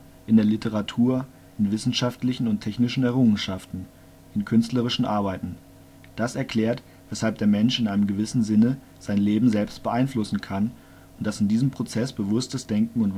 in der Literatur, in wissenschaftlichen und technischen Errungenschaften, in künstlerischen Arbeiten. Das erklärt, weshalb der Mensch in einem gewissen Sinne sein Leben selbst beeinflussen kann und dass in diesem Prozess bewusstes Denken